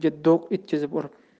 yerga do'q etkizib urib